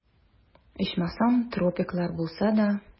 Ичмасам, тропиклар булса да...